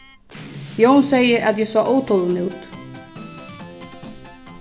jón segði at eg sá ótolin út